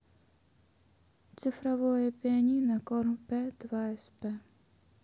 цифровое пианино корг б два сп